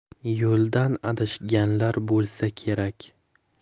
yo'ldan adashganlar bo'lsa kerak